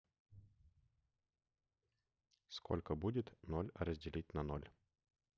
сколько будет ноль разделить на ноль